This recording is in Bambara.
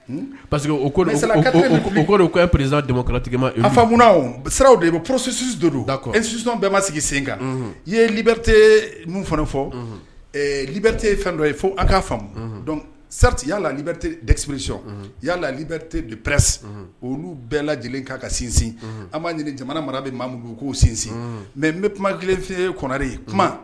Parce que ko perezbɔtigima a famuuna siraw de ye porosi donsi bɛɛ ma sigi sen kan i ye libite minnu fana fɔ li bɛ tɛ fɛn dɔ ye fo a k kaa faamu sarariti yalalalipsiriti yala lite don pɛsi olu bɛɛ lajɛlen kan ka sinsin an m'a ɲini jamana mara bɛ mamudu k'u sinsin mɛ n bɛ kuma kelenfi kɔnɛre ye kuma